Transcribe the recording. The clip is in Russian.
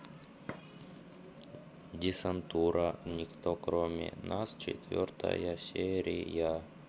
десантура никто кроме нас четвертая серия